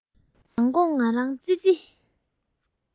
མདང དགོང ང རང ཙི ཙི